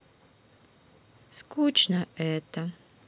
скучно это